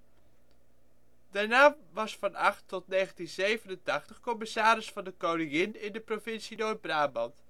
Daarna was Van Agt tot 1987 Commissaris van de Koningin in de Provincie Noord-Brabant